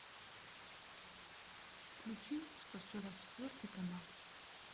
включи сто сорок четвертый канал